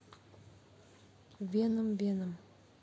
веном веном